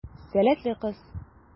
Сәләтле кыз.